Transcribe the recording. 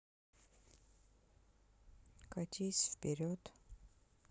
катись вперед